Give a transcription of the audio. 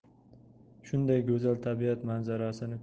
shunday go'zal tabiat manzarasini